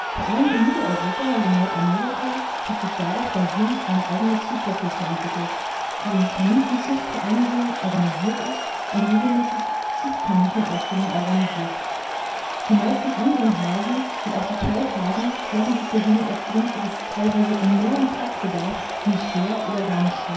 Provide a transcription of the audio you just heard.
Vor allem in Mitteleuropa und in Nordamerika hat sich darauf basierend eine eigene Züchterkultur entwickelt, die in Kaninchenzuchtvereinigungen organisiert ist und regelmäßig Zuchtkaninchenausstellungen organisiert. Die meisten anderen Hasen und auch die Pfeifhasen lassen sich dagegen aufgrund ihres teilweise enormen Platzbedarfs nur schwer oder gar nicht